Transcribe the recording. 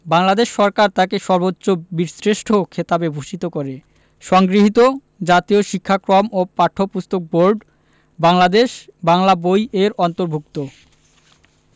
বাংলাদেশ সরকার তাঁকে সর্বোচ্চ বীরশ্রেষ্ঠ খেতাবে ভূষিত করে সংগৃহীত জাতীয় শিক্ষাক্রম ও পাঠ্যপুস্তক বোর্ড বাংলাদেশ বাংলা বই এর অন্তর্ভুক্ত